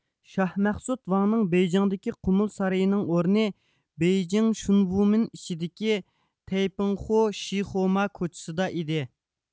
شاھ مەخسۇت ۋاڭنىڭ بېيجىڭدىكى قۇمۇل سارىيى نىڭ ئورنى بېيجىڭ شۈنۋومىن ئىچىدىكى تەيپىڭخۇ شىخۇما كوچىسىدا ئىدى